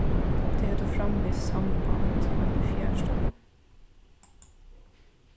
tey høvdu framvegis samband men í fjarstøðu